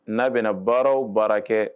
N'a bena baara o baara kɛ